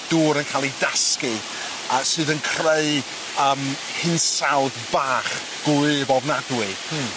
dŵr yn ca'l 'i dasgu yy sydd yn creu yym hinsawdd bach gwlyb ofnadwy. Hmm.